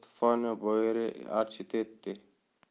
stefano boeri architetti